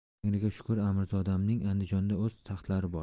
tangriga shukur amirzodamning andijonda o'z taxtlari bor